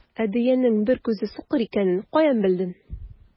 Ә дөянең бер күзе сукыр икәнен каян белдең?